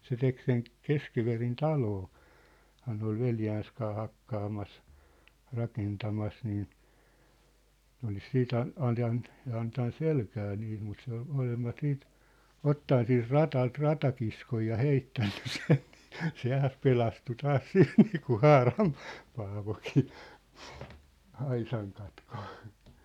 se teki sen Keskiverin - taloahan ne oli veljensä kanssa hakkaamassa rakentamassa niin ne olisi sitten - antanut antanut selkään niitä mutta se oli molemmat sitten ottanut siitä radalta ratakiskoja ja heittänyt sen niin se taas pelastui taas sillä niin kuin Haaran Paavokin aisan katki